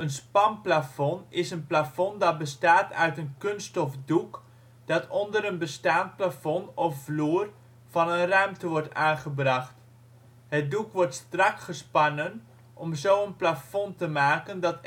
spanplafond is een plafond dat bestaat uit een kunststof doek dat onder een bestaand plafond of vloer van een ruimte wordt aangebracht. Het doek wordt strak gespannen, om zo een plafond te maken dat